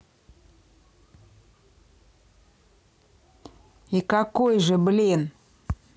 и какой же блин